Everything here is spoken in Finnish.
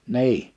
niin